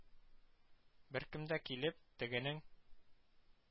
Беркем дә килеп: Тегенең